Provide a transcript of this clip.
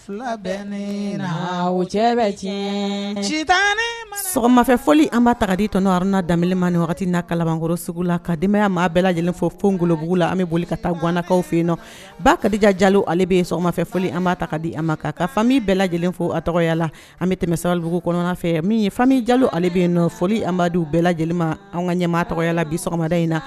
Fila ne o cɛ tiɲɛ jitamafɛ fɔ anba tagadi tɔnɔ haruna daminɛ man ni na kalakɔrɔ sugu la ka denbayaya maa bɛɛ lajɛlen fɔ fongolobugu la an bɛ boli ka taa gananakaw fɛ yenn nɔ ba kadija jalo ale bɛ sɔgɔma fɛ fɔ an b' ta di a ma kan ka fami bɛɛ lajɛlen fo a tɔgɔyala an bɛ tɛmɛ sadugu kɔnɔnafɛ min ye fami jaloale bɛ yen na foli anbadu bɛɛ lajɛlen ma an ka ɲɛmaa tɔgɔyala bi sɔgɔmada in na